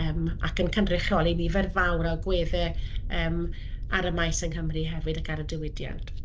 yym ac yn cynrychioli nifer fawr o agweddau yym ar y maes yng Nghymru hefyd ac ar y diwydiant.